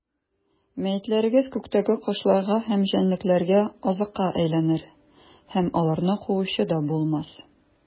Мәетләрегез күктәге кошларга һәм җәнлекләргә азыкка әйләнер, һәм аларны куучы да булмас.